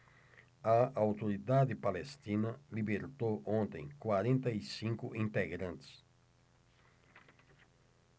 a autoridade palestina libertou ontem quarenta e cinco integrantes